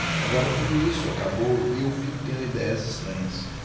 agora tudo isso acabou e eu fico tendo idéias estranhas